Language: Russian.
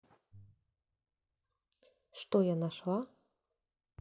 что я нашла